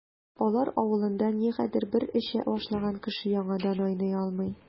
Алар авылында, нигәдер, бер эчә башлаган кеше яңадан айный алмый.